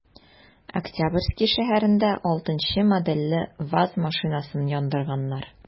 Октябрьский шәһәрендә 6 нчы модельле ваз машинасын яндырганнар.